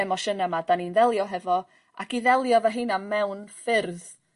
...emosiyna 'ma 'dan ni'n ddelio hefo ac i ddelio 'fo rheina am mewn ffyrdd